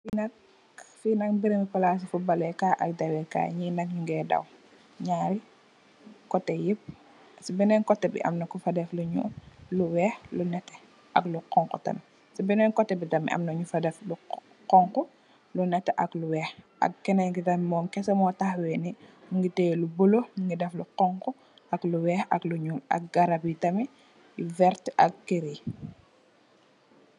Fii nak mbirum plaasi football leh kaii ak daweh kaii, njee nak njungeh daw, njaari coteh yhep, cii benen coteh bii amna kufa deff lu njull, lu wekh, lu nehteh, ak lu khonku tamit, cii benen coteh bii tamit amna nju fa deff lu lu khonku, lu nehteh ak lu wekh, ak kenen kii tamit mom keseh mor takhaweh nii, mungy tiyeh lu bleu, mungy deff lu khonku, ak lu wekh ak lu njull, ak garab yii tamit lu vertue, ak kerr yii.